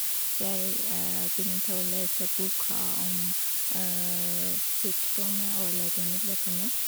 Jeg begynte å lese boka om sykdommer og legemidler på norsk.